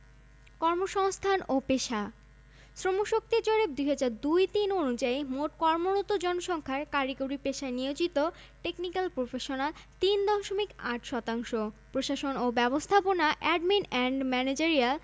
কর্মসংস্থান ও পেশাঃ শ্রমশক্তি জরিপ ২০০২ ০৩ অনুযায়ী মোট কর্মরত জনসংখ্যার কারিগরি পেশায় নিয়োজিত টেকনিকাল প্রফেশনাল ৩ দশমিক ৮ শতাংশ প্রশাসন ও ব্যবস্থাপনা এডমিন এন্ড ম্যানেজেরিয়াল